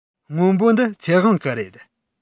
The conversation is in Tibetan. སྔོན པོ འདི ཚེ དབང གི རེད